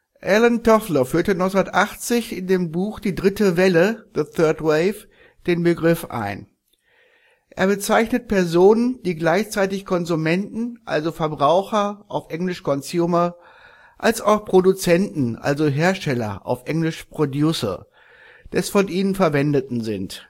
Alvin Toffler führte 1980 in dem Buch „ Die dritte Welle “(„ The Third Wave “) den Begriff ein. Er bezeichnet Personen, die gleichzeitig Konsumenten, also Verbraucher (englisch: „ consumer “), als auch Produzenten, also Hersteller (englisch: „ producer “), des von ihnen Verwendeten sind